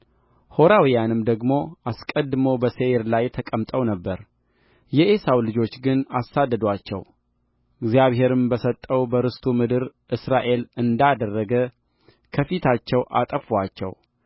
ሖራውያንም ደግሞ አስቀድሞ በሴይር ላይ ተቀምጠው ነበር የዔሳው ልጆች ግን አሳደዱአቸው እግዚአብሔርም በሰጠው በርስቱ ምድር እስራኤል እንዳደረገ ከፊታቸው አጠፉአቸው